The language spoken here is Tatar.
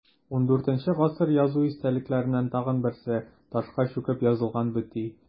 ХIV гасыр язу истәлекләреннән тагын берсе – ташка чүкеп язылган бөти.